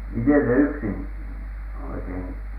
miten se yksin oikein